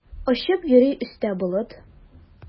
Очып йөри өстә болыт.